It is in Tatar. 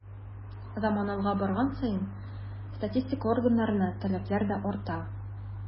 Заман алга барган саен статистика органнарына таләпләр дә арта.